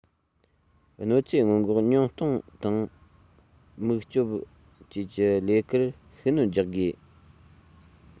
གནོད འཚེ སྔོན འགོག ཉུང གཏོང དང མུག སྐྱོབ བཅས ཀྱི ལས ཀར ཤུགས སྣོན རྒྱག དགོས